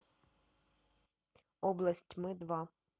область тьмы два